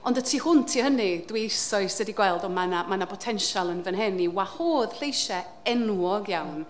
Ond y tu hwnt i hynny, dwi eisoes wedi gweld, o ma' 'na ma' 'na botensial yn fan hyn i wahodd lleisiau enwog iawn yym